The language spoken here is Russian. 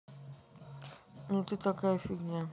ну ты такая фигня